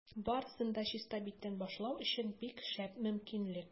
Барысын да чиста биттән башлау өчен бик шәп мөмкинлек.